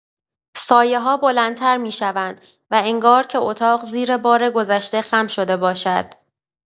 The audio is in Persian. سایه‌‌ها بلندتر می‌شوند و انگار که اتاق زیر بار گذشته خم شده باشد.